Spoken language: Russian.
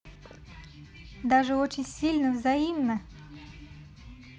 даже очень сильно взаимно